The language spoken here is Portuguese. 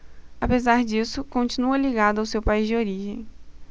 apesar disso continua ligado ao seu país de origem